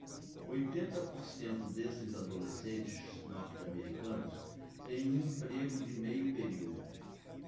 oitenta por cento desses adolescentes norte-americanos têm um emprego de meio período